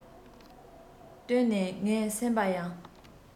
བསྟུན ནས ངའི སེམས པ ཡང